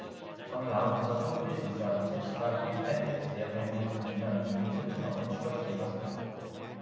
전 라운드서 선두를 질주하던 첼시가 크리스탈 팰리스에 발목을 잡히면서 이 위 토트넘에 추격 기회가 생겼다